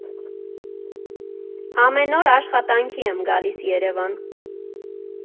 Ամեն օր աշխատանքի եմ գալիս Երևան։